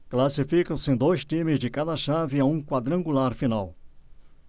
classificam-se dois times de cada chave a um quadrangular final